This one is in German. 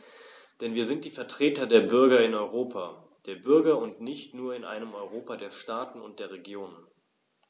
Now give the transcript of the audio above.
Denn wir sind die Vertreter der Bürger im Europa der Bürger und nicht nur in einem Europa der Staaten und der Regionen.